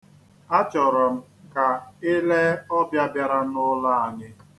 Achọrọ m ka i lee ọbịa bịara n'ụlọ anyị.